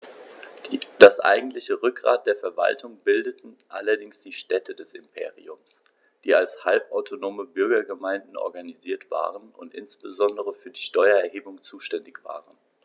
Das eigentliche Rückgrat der Verwaltung bildeten allerdings die Städte des Imperiums, die als halbautonome Bürgergemeinden organisiert waren und insbesondere für die Steuererhebung zuständig waren.